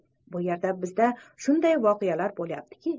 bu yerda bizda shunday voqealar bo'lyaptiki